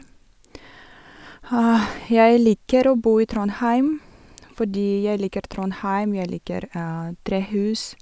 Jeg liker å bo i Trondheim, fordi jeg liker Trondheim, jeg liker trehus.